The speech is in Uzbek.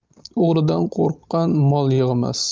o'g'ridan qo'rqqan mol yig'mas